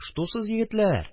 Шту сез, егетләр